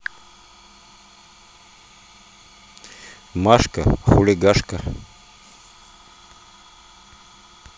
машка хулигашка